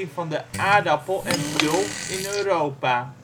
van de aardappel en tulp in Europa